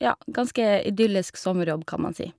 Ja, ganske idyllisk sommerjobb, kan man si.